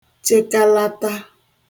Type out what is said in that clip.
chịkalata